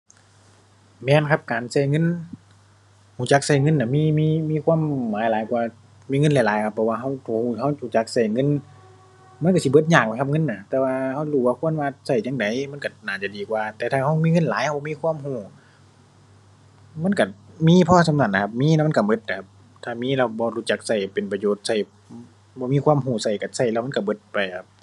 แม่นครับ การใช้เงิน ใช้จักใช้เงินน่ะมี มี มีความหมายหลายกว่ามีเงินหลายหลายครับ เพราะว่าใช้ ใช้รู้จักใช้เงิน มันใช้สิเบิดยากแหล้วครับเงินน่ะ แต่ว่าใช้รู้ว่า ควรว่า ใช้จั่งใดมันใช้น่าจะดีกว่า แต่ถ้าใช้มีเงินหลายใช้บ่มีความใช้ มันใช้มีพอส่ำนั้นน่ะครับ มีแล้วมันใช้ใช้น่ะครับ ถ้ามีแล้วบ่รู้จักใช้ให้เป็นประโยชน์ ใช้ บ่มีความใช้ใช้ใช้ ใช้แล้วมันใช้เบิดไปครับ ⁠